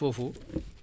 ndoxu taw waaw